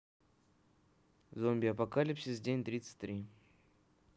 zombie apocalypse день тридцать три